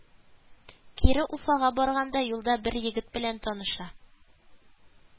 Кире Уфага барганда юлда бер егет белән таныша